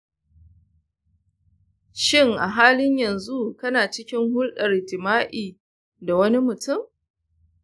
shin a halin yanzu kana cikin hulɗar jima'i da wani mutum?